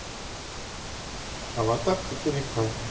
аватар четыре к